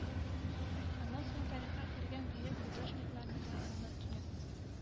Аннан соң тарихка кергән бөек художникларны да онытмыйк.